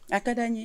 A ka d'an ye!